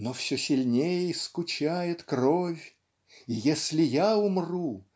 Но все сильней скучает кровь. И если я умру